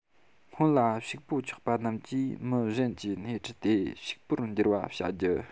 སྔོན ལ ཕྱུག པོ ཆགས པ རྣམས ཀྱིས མི གཞན གྱི སྣེ ཁྲིད དེ ཕྱུག པོར འགྱུར བ བྱ རྒྱུ